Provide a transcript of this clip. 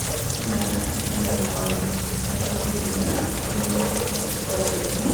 som er Dem er da et halvt år yngre og ett år eldre enn ho.